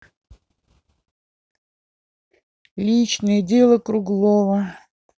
личное дело круглова